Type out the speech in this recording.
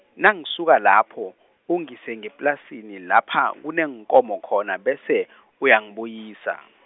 nangisuka lapho , ungise ngeplasini lapha kuneenkomo khona bese , uyangibuyisa.